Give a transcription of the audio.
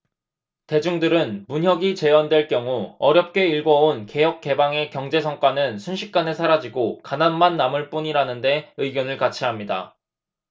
대중들은 문혁이 재연될 경우 어렵게 일궈 온 개혁개방의 경제 성과는 순식간에 사라지고 가난만 남을 뿐이라는데 의견을 같이 합니다